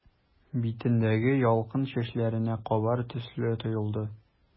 Битендәге ялкын чәчләренә кабар төсле тоелды.